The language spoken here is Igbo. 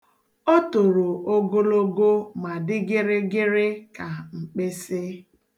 O toro ogologo ma dị gịrịgịrị ka mkpịsị.